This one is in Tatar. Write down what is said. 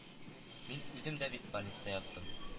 Мин үзем дә бит больниста яттым